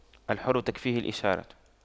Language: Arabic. الحر تكفيه الإشارة